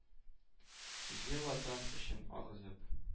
Изге Ватан өчен агызып,